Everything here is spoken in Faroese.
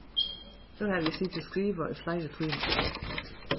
nú havi eg siti og skriva í fleiri tímar